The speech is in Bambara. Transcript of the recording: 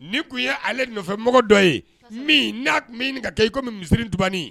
Ni tun ye ale nɔfɛ dɔ ye n'a tun ka kɛ i kɔmi misiriban